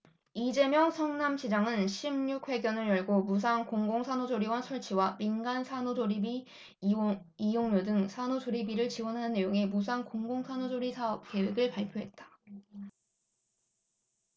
이재명 성남시장은 십 육 회견을 열고 무상 공공산후조리원 설치와 민간 산후조리비 이용료 등 산후조리비를 지원하는 내용의 무상 공공산후조리 사업계획을 발표했다